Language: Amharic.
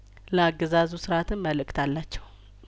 ለአገዛዙ ስርአትም መልእክት አላቸው